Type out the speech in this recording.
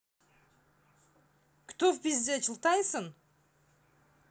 кто впиздячил тайсон